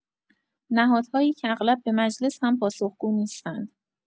نهادهایی که اغلب به مجلس هم پاسخگو نیستند.